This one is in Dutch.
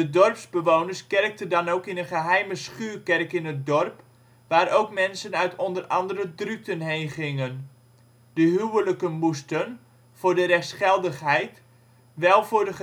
dorpsbewoners kerkten dan ook in een geheime schuurkerk in het dorp, waar ook mensen uit onder andere Druten heen gingen. De huwelijken moesten - voor de rechtsgeldigheid - wel voor de